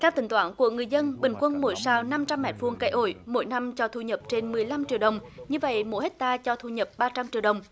theo tính toán của người dân bình quân mỗi sào năm trăm mét vuông cây ổi mỗi năm cho thu nhập trên mười lăm triệu đồng như vậy mỗi héc ta cho thu nhập ba trăm triệu đồng